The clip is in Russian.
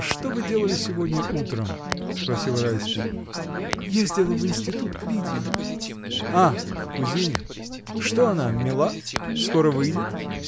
— Что вы делали сегодня утром? — спросил Райский. — Ездила в институт, к Лидии. к кузине. Что она, мила? Скоро выйдет?